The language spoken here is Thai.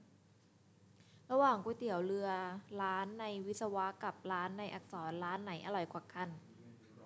ระหว่างก๋วยเตี๋ยวเรือร้านในวิศวะกับร้านในอักษรร้านไหนอร่อยกว่ากัน